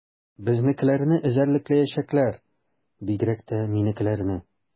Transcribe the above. Безнекеләрне эзәрлекләячәкләр, бигрәк тә минекеләрне.